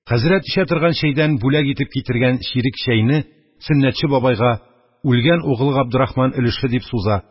Хәзрәт эчә торган чәйдән бүләк итеп китергән чирек чәйне Сөннәтче бабайга үлгән угылы Габдерахман өлеше дип суза,